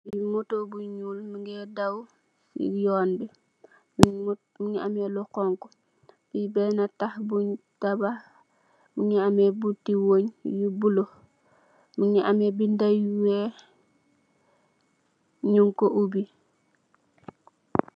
Motor bu nuul muge daw se yonn be muge ameh lu xonxo fee bena tahh bun tabahh muge ameh bunte weah yu bulo muge ameh beda yu weex nugku oube.